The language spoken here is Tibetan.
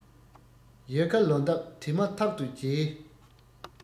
ཡལ ག ལོ འདབ དེ མ ཐག ཏུ རྒྱས